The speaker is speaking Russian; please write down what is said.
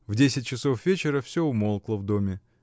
В десять часов вечера всё умолкло в доме.